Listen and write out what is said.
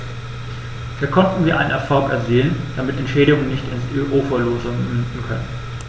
Hier konnten wir einen Erfolg erzielen, damit Entschädigungen nicht ins Uferlose münden können.